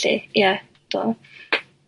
'llu ia dwi me'l.